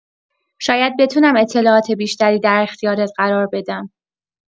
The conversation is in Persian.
شاید بتونم اطلاعات بیشتری در اختیارت قرار بدم.